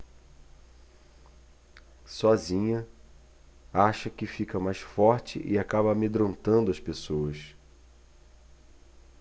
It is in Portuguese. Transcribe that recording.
sozinha acha que fica mais forte e acaba amedrontando as pessoas